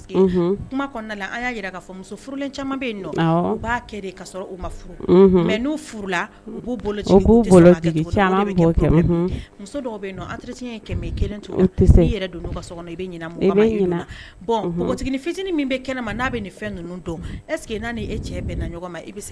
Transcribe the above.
Furu mɛ n' b' an ye kelen tɛ se i yɛrɛ don kɔnɔ i bɛ bɔn npogo ni fitinin min bɛ kɛnɛ n'a bɛ fɛn ninnu dɔn eseke cɛ bɛnna ɲɔgɔn ma